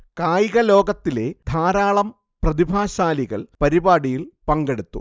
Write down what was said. കായിക ലോകത്തിലെ ധാരാളം പ്രതിഭാശാലികൾ പരിപാടിയിൽ പങ്കെടുത്തു